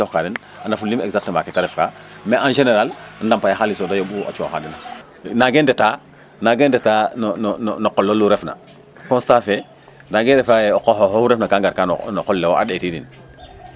andafuliim exactement ke ta refka ndaa en général ndampay xaalis de a yooɓu cooxaa den nangee ndetaa no no qol olu ref na constat fe nangee ndetaa refa ye o qol olu ref na da ngar ka no qol le wo a ɗetiidin